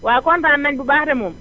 waaw kontaan nañu bu baax de moom